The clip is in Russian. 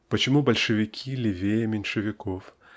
почему большевики "левее" меньшевиков